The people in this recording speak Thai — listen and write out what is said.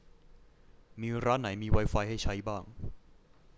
มีร้านไหนมีไวไฟให้ใช้บ้าง